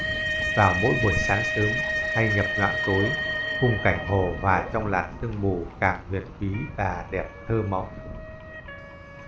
vào mỗi buổi sáng sớm hay nhập nhoạng tối khung cảnh hồ hòa trong làn sương mù càng huyền bí và đẹp thơ mộng